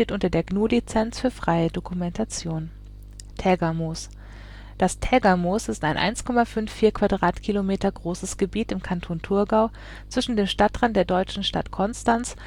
unter der GNU Lizenz für freie Dokumentation. Das Tägermoos (rot markiert) Das Tägermoos ist ein 1,54 Quadratkilometer grosses Gebiet im Kanton Thurgau zwischen dem Stadtrand der deutschen Stadt Konstanz